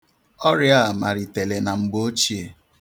Ọrịa a malitere na mgbeochie.